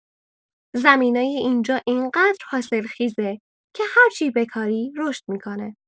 زمینای اینجا انقدر حاصلخیزه که هرچی بکاری رشد می‌کنه!